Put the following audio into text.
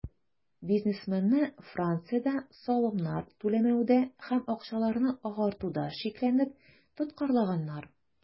Бизнесменны Франциядә салымнар түләмәүдә һәм акчаларны "агартуда" шикләнеп тоткарлаганнар.